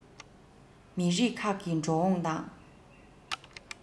མི རིགས ཁག གི འགྲོ འོང དང